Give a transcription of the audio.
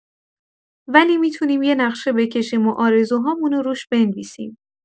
ولی می‌تونیم یه نقشه بکشیم و آرزوهامونو روش بنویسیم.